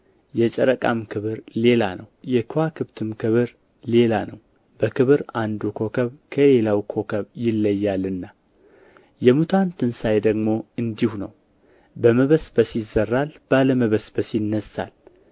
የጨረቃም ክብር ሌላ ነው የከዋክብትም ክብር ሌላ ነው በክብር አንዱ ኮከብ ከሌላው ኮከብ ይለያልና የሙታን ትንሣኤ ደግሞ እንዲሁ ነው በመበስበስ ይዘራል ባለመበስበስ ይነሣል